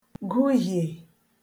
gụhiè